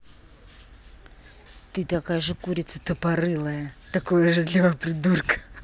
ты такая же курица тупорылая такое два придурка